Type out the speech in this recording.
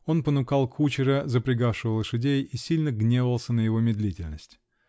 он понукал кучера, запрягавшего лошадей, и сильно гневался на его медлительность.